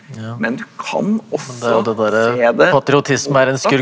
men du kan også se det .